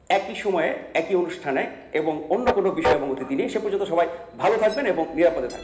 একই সময় একই অনুষ্ঠানে এবং অন্য কোন বিষয় এবং অতিথি নিয়ে সে পর্যন্ত সবাই ভালো থাকবেন এবং নিরাপদে থাকবেন